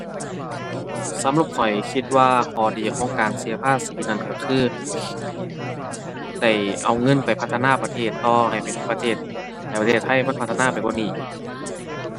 สำหรับข้อยคิดว่าข้อดีของการเสียภาษีนั้นก็คือ ได้เอาเงินไปพัฒนาประเทศต่อให้เป็นประเทศ ให้ประเทศไทยมันพัฒนาไปกว่านี้อีก